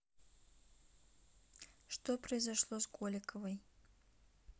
что произошло с голиковой